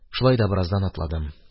Шулай да бераздан атладым